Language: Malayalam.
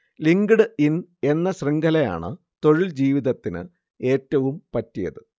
ലിങ്ക്ഡ് ഇൻ എന്ന ശൃഖലയാണ് തൊഴിൽജീവിതത്തിന് ഏറ്റവും പറ്റിയത്